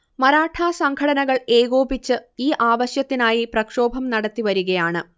മറാഠാ സംഘടനകൾ ഏകോപിച്ച് ഈ ആവശ്യത്തിനായി പ്രക്ഷോഭം നടത്തിവരികയാണ്